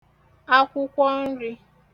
akwụkwọ nrī